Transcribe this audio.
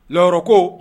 Naɔrɔ ko